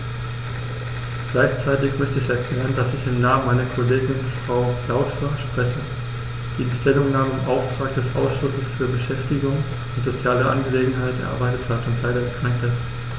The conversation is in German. Gleichzeitig möchte ich erklären, dass ich im Namen meiner Kollegin Frau Flautre spreche, die die Stellungnahme im Auftrag des Ausschusses für Beschäftigung und soziale Angelegenheiten erarbeitet hat und leider erkrankt ist.